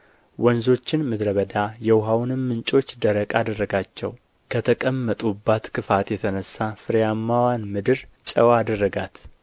ወንዞችን ምድረ በዳ የውኃውንም ምንጮች ደረቅ አደረጋቸው ከተቀመጡባት ክፋት የተነሣ ፍሬያማዋን ምድር ጨው አደረጋት